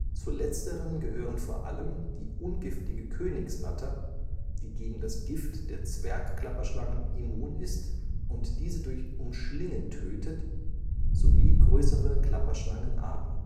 Zu Letzteren gehören vor allem die ungiftige Königsnatter (Lampropeltis getula), die gegen das Gift der Zwergklapperschlangen immun ist und diese durch Umschlingen tötet, sowie größere Klapperschlangenarten